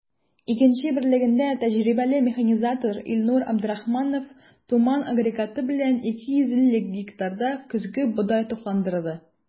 “игенче” берлегендә тәҗрибәле механизатор илнур абдрахманов “туман” агрегаты белән 250 гектарда көзге бодай тукландырды.